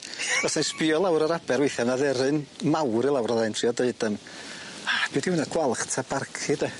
Fysai sbïo lawr yr aber weithia' ma' dderyn mawr i lawr fyddai'n trio deud yn a be' 'di wnna gwalch ta barcud de?